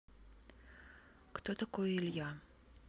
кто такой илья